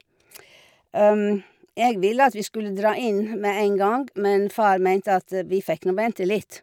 Jeg ville at vi skulle dra inn med en gang, men far meinte at vi fikk nå vente litt.